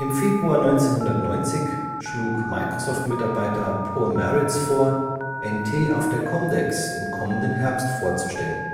Februar 1990 schlug Microsoft-Mitarbeiter Paul Maritz vor, NT auf der COMDEX im kommenden Herbst vorzustellen